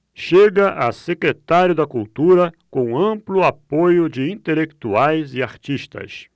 chega a secretário da cultura com amplo apoio de intelectuais e artistas